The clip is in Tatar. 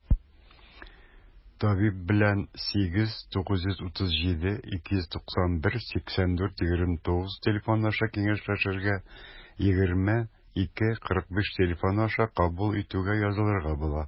Табиб белән 89372918429 телефоны аша киңәшләшергә, 20-2-45 телефоны аша кабул итүгә язылырга була.